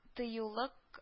Тыюлык